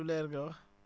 lu leer nga wax